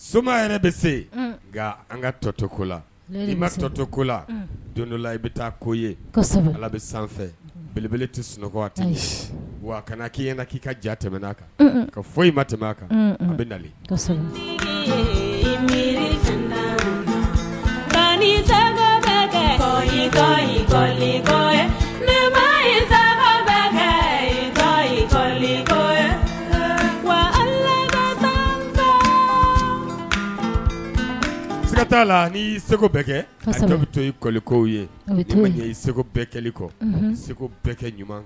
Soma yɛrɛ bɛ se nka an ka tɔ to ko la n'i ma tɔ to ko la don dɔla i bɛ taa ko ye ala bɛ sanfɛ belebele tɛ sunɔgɔ tigɛ wa kana k'i ɲɛna k'i ka ja tɛmɛ' a kan ka fɔ i ma tɛmɛ' a kan an bɛ da mi kɛ kɛ ko ka s la ni segu bɛɛ kɛ dɔ bɛ to i koliko ye i segu bɛɛ kɛ kɔ segu bɛɛ kɛ ɲuman